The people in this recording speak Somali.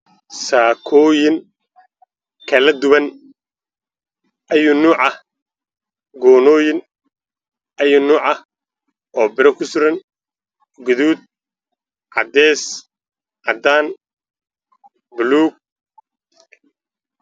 Meeshaan waxaa ka muuqdo saakooyin kala duwan